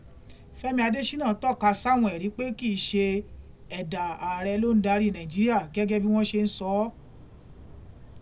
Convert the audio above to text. Fẹ́mi Adéṣínà tọ́ka sáwọn ẹ̀rí pé kì í ṣe ẹ̀dà ààrẹ ló ń darí Nàíjíríà gẹ́gẹ́ bí wọ́n se ń sọ ọ́.